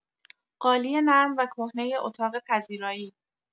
قالی نرم و کهنه اتاق پذیرایی